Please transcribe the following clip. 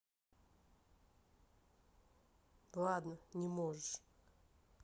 ладно не можешь